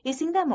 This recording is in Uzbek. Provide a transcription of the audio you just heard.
esingda mi